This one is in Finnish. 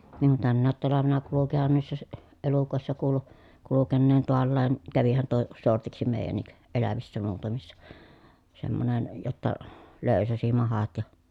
niin kuin tänäkin talvena kulkihan niissä - elukoissa kuului kulkeneen taallakin kävihän tuo sortiksi meidänkin elävissä muutamissa semmoinen jotta löysäsi mahat ja